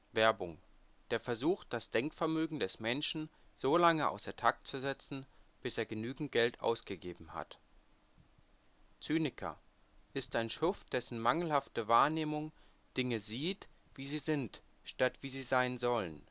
Werbung: Der Versuch, das Denkvermögen des Menschen so lange außer Takt zu setzen, bis er genügend Geld ausgegeben hat. “„ Zyniker: Ist ein Schuft, dessen mangelhafte Wahrnehmung Dinge sieht, wie sie sind, statt wie sie sein sollten